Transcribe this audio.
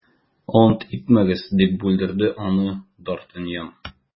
- ант итмәгез, - дип бүлдерде аны д’артаньян.